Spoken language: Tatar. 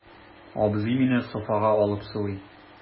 Абзый мине софага алып сылый.